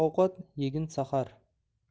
ovqat yegin sahar